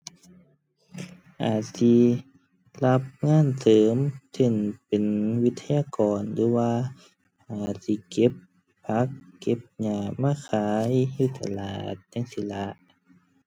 อาจสิรับงานเสริม เช่น เป็นวิทยากร หรือว่าอาจสิเก็บผัก เก็บหญ้ามาขายอยู่ตลาดจั่งซี้ล่ะ